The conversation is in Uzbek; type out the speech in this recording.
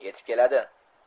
yetib keladi